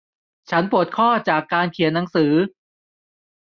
ฉันปวดข้อจากการเขียนหนังสือ